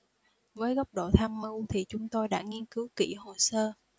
với góc độ tham mưu thì chúng tôi đã nghiên cứu kỹ hồ sơ